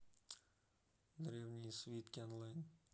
древние свитки онлайн